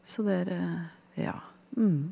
så dere ja .